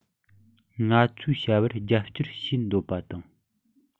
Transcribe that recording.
ང ཚོའི བྱ བར རྒྱབ སྐྱོར བྱེད འདོད པ དང